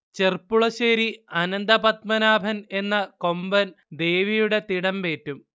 ചെർപ്പുളശ്ശേരി അനന്തപദ്മനാഭൻ എന്ന കൊമ്പൻ ദേവിയുടെ തിടമ്പേറ്റും